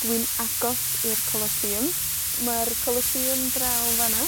Dwi'n agos i'r Colosseum. Ma'r Colosseum draw fan 'na.